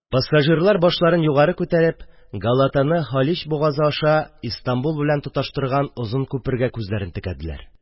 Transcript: Пассажирлар, башларын югары күтәреп, Галатаны Һалич бугазы аша Истанбул белән тоташтырган озын күпергә күзләрен текәделәр.